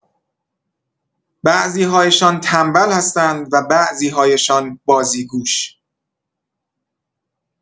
بعضی‌هایشان تنبل هستند و بعضی‌هایشان بازیگوش.